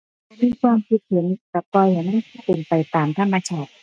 บ่มีความคิดเห็น ก็ปล่อยให้มันเป็นไปตามธรรมชาติ